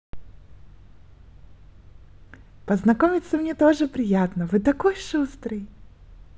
познакомиться мне тоже приятно вы такой шустрый